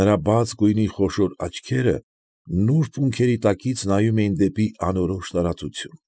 Նրա բաց գույնի խոշոր աչքերը նուրբ ունքերի տակից նայում էին դեպի անորոշ տարածություն։